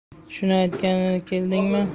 shuni aytgani keldingmi